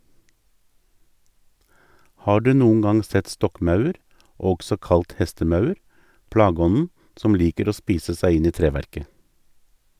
Har du noen gang sett stokkmaur, også kalt hestemaur, plageånden som liker å spise seg inn i treverket?